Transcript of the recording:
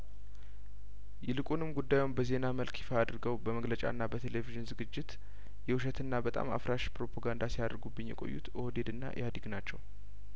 ይልቁንም ጉዳዩን በዜና መልክ ይፋ አድርገው በመግለጫና በቴሌቪዥን ዝግጅት የውሸትና በጣም አፍራሽ ፕሮፓጋንዳ ሲያደርጉብኝ የቆዩት ኦህዴድና ኢህአዴግ ናቸው